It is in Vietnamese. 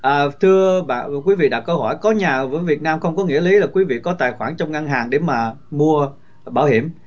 à thưa bà quý vị đặt câu hỏi có nhà ở việt nam không có nghĩa lý quý vị có tài khoản trong ngân hàng để mà mua bảo hiểm